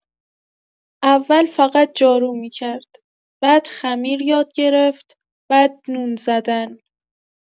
اول فقط جارو می‌کرد، بعد خمیر یاد گرفت، بعد نون زدن.